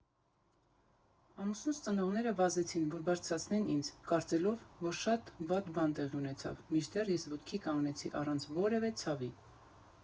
Ամուսնուս ծնողները վազեցին, որ բարձրացնեն ինձ՝ կարծելով, որ շատ վատ բան տեղի ունեցավ, մինչդեռ ես ոտքի կանգնեցի՝ առանց որևէ ցավի։